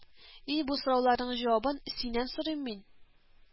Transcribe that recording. И, бу сорауларның җавабын Синнән сорыйм мин